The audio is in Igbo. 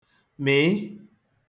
mị̀ị